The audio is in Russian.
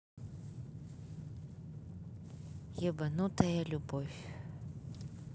ебанутая любовь